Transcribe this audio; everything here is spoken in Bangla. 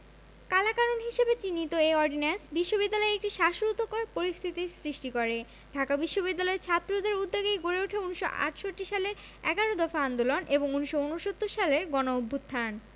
কালাকানুন হিসেবে চিহ্নিত এ অর্ডিন্যান্স বিশ্ববিদ্যালয়ে একটি শ্বাসরুদ্ধকর পরিস্থিতির সৃষ্টি করে ঢাকা বিশ্ববিদ্যালয়ের ছাত্রদের উদ্যোগেই গড়ে উঠে ১৯৬৮ সালের এগারো দফা আন্দোলন এবং ১৯৬৯ সালের গণঅভ্যুত্থান